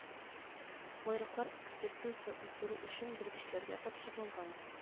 Байраклар экспертиза уздыру өчен белгечләргә тапшырылган